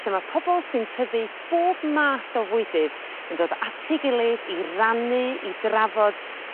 Lle ma' pobol sy'n tyfu bob math o fwydydd yn dod at ei gilydd i rannu i drafod